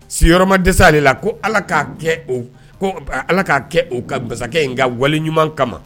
Sigiyɔrɔ ma dɛsɛ ale la, ko allah k'a kɛ,o allah ka kɛ masakɛ in ka wale ɲuman kama.